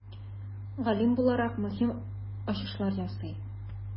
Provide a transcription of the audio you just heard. Галим буларак, мөһим ачышлар ясый.